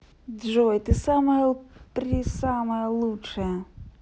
джой ты самая при самая лучшая